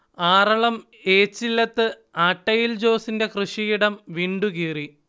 ആറളം ഏച്ചില്ലത്ത് ആട്ടയിൽ ജോസിന്റെ കൃഷിയിടം വിണ്ടുകീറി